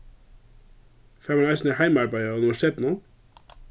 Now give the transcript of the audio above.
fær mann eisini heimaarbeiði á universitetinum